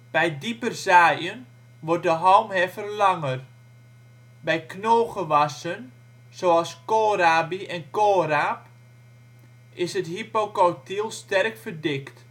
Bij dieper zaaien wordt de halmheffer langer. Bij knolgewassen, zoals koolrabi en koolraap, is het hypocotyl sterk verdikt